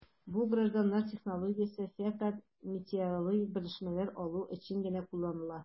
Бу гражданнар технологиясе фәкать метеорологик белешмәләр алу өчен генә кулланыла...